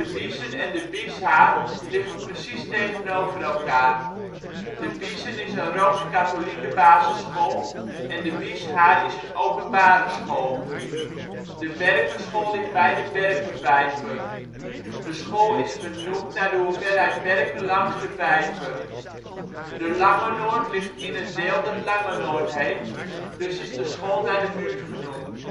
Biezen en de Bieshaar, liggen precies tegenover elkaar. De Biezen is een Rooms-Katholieke basisschool en de Bieshaar is een openbare school. De Berkenschool ligt bij de Berkenvijver. De school is vernoemd naar de hoeveelheid berken langs de vijver. De Langenoord ligt in het deel, dat Langenoord heet, dus is de school naar de buurt genoemd